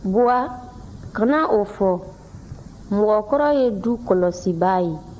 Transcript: baba kana o fɔ mɔgɔkɔrɔ ye du kɔlɔsibaa ye